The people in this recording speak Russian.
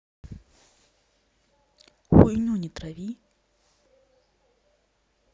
хуйню не трави